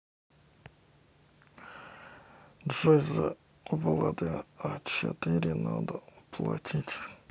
джой за влада а четыре надо платить